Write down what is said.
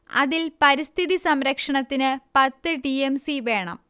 അതിൽ പരിസ്ഥിതിസംരക്ഷണത്തിന് പത്ത് ടി എം സി വേണം